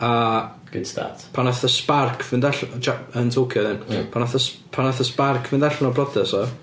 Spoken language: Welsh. A... good start... pan aeth y spark fynd allan... Ja- yn Tokyo ...mm... pan aeth y pan aeth y *spark fynd allan o'i briodas o...